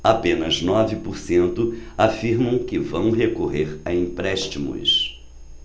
apenas nove por cento afirmam que vão recorrer a empréstimos